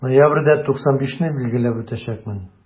Ноябрьдә 95 не билгеләп үтәчәкмен.